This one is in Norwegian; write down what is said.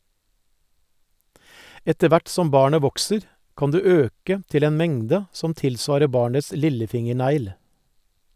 Etter hvert som barnet vokser, kan du øke til en mengde som tilsvarer barnets lillefingernegl.